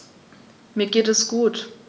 Mir geht es gut.